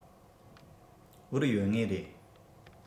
བོར ཡོད ངེས རེད